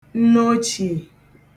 nneochìè